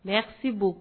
Bɛ sibon